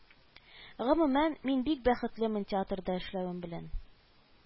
Гомумән, мин бик бәхетлемен театрда эшләвем белән